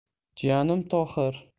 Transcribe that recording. jiyanim tohir